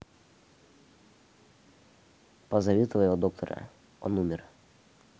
позови твоего доктора он умер